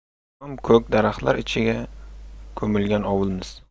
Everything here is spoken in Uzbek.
ko'm ko'k daraxtlar ichiga ko'milgan ovulimiz